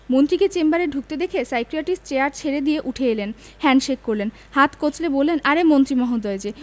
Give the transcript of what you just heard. মন্ত্রীকে চেম্বারে ঢুকতে দেখে সাইকিয়াট্রিস্ট চেয়ার ছেড়ে উঠে এলেন হ্যান্ডশেক করলেন হাত কচলে বললেন আরে মন্ত্রী মহোদয় যে